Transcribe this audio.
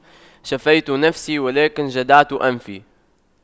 شفيت نفسي ولكن جدعت أنفي